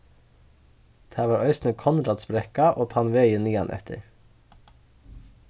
tað var eisini konradsbrekka og tann vegin niðaneftir